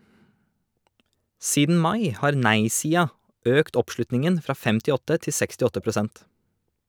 Siden mai har nei-sida økt oppslutningen fra 58 til 68 prosent.